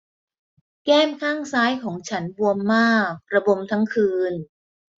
แก้มข้างซ้ายของฉันบวมมากระบมทั้งคืน